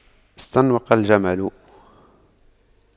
استنوق الجمل